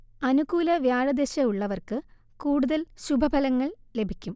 അനുകൂല വ്യാഴദശ ഉള്ളവർക്ക് കൂടുതൽ ശുഭഫലങ്ങൾ ലഭിക്കും